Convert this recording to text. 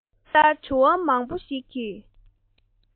དེ ལྟར དྲི བ མང པོ ཞིག གི